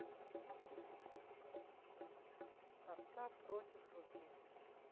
спартак против рубина